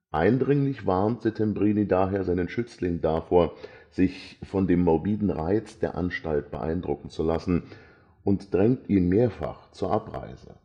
Eindringlich warnt Settembrini daher seinen Schützling davor, sich von dem morbiden Reiz der Anstalt beeindrucken zu lassen, und drängt ihn mehrfach zur Abreise